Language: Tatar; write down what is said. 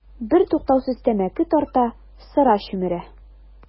Бертуктаусыз тәмәке тарта, сыра чөмерә.